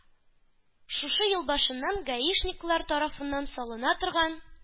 Шушы ел башыннан гаишниклар тарафыннансалына торган